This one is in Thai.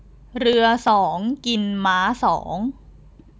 เรือสองกินม้าสอง